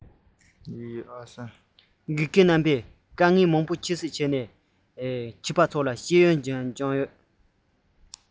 དགེ བའི བཤེས གཉེན རྣམ པ ངལ བ དུ མ ཁྱད དུ བསད མི གཞན ལ འོད ཟེར སྦྱིན པ ཕངས མེད དུ བཏང པ འཚར ལོངས ཡོང བཞིན པའི བྱིས པ བྱིས པ ཚོར ཤེས ཡོན སྦྱིན བཞིན ཡོད